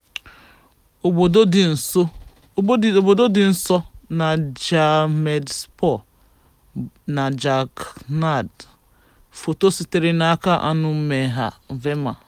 Obodo dị nso na Jamshedpur na Jharkhand. Foto sitere n'aka Anumeha Verma